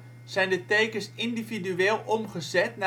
zijn de tekens individueel omgezet